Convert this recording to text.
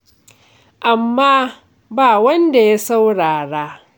Amma ba wanda ya saurara.